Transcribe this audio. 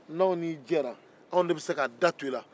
ni anw n'i jɛnna anw de bɛ se k'a da to i la